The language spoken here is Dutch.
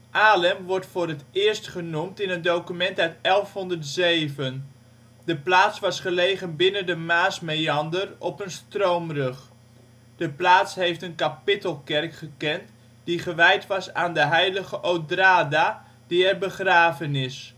Alem wordt voor het eerst genoemd in een document uit 1107. De plaats was gelegen binnen een Maasmeander op een stroomrug. De plaats heeft een kapittelkerk gekend die gewijd was aan de Heilige Odrada, die er begraven is